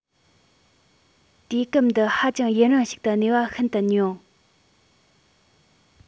དུས སྐབས འདི ཧ ཅང ཡུན རིང ཞིག ཏུ གནས པ ཤིན ཏུ ཉུང